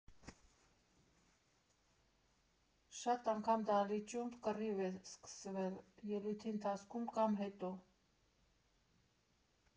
Շատ անգամ դահլիճում կռիվ է սկսվել ելույթի ընթացքում կամ հետո։